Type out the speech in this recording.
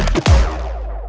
nha